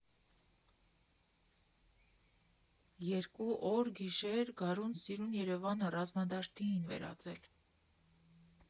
Երկու օր֊գիշեր գարուն֊սիրուն Երևանը ռազմադաշտի էին վերածել։